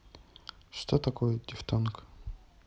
что такое дифтонг